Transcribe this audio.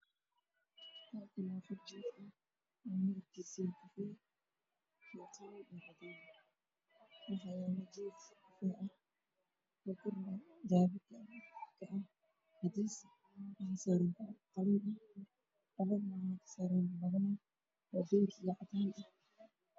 Waa qol jiif ah waxaa yaalo sariir waxa saaran go madow sidoo kale waxaa kor saaran barkeen caddaan